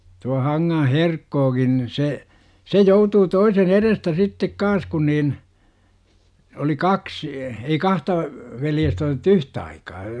tuo Hankaan Herkkokin niin se se joutui toisen edestä sitten kanssa kun niin oli kaksi ei kahta veljestä otettu yhtä aikaa